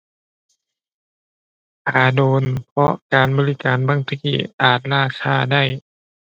ท่าโดน เพราะการบริการบางที่อาจล่าช้าได้